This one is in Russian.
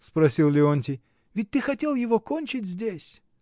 — спросил Леонтий, — ведь ты хотел его кончить здесь.